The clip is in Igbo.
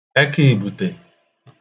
ẹkaìbìtè